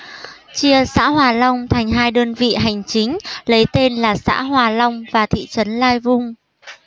chia xã hòa long thanh hai đơn vị hành chính lấy tên là xã hòa long và thị trấn lai vung